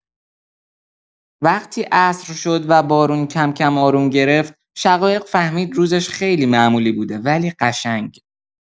وقتی عصر شد و بارون کم‌کم آروم گرفت، شقایق فهمید روزش خیلی معمولی بوده، ولی قشنگ.